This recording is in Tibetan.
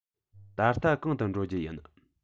ད ལྟ གང དུ འགྲོ རྒྱུ ཡིན